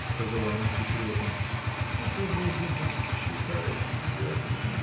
— сказала она с упреком, — за кого вы нас считаете с Верой?